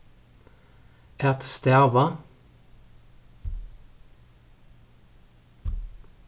at stava